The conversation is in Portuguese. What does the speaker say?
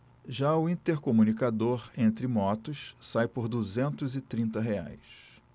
já o intercomunicador entre motos sai por duzentos e trinta reais